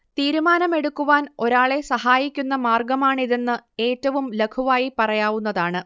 തീരുമാനമെടുക്കുവാൻ ഒരാളെ സഹായിക്കുന്ന മാർഗ്ഗമാണിതെന്ന് ഏറ്റവും ലഘുവായി പറയാവുന്നതാണ്